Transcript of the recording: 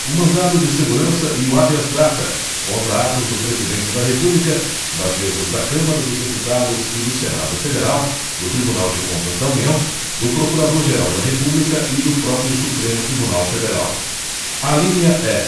o mandado de segurança e o habeas data contra atos do presidente da república das mesas da câmara dos deputados e do senado federal do tribunal de contas da união do procurador geral da república e do próprio supremo tribunal federal alínea e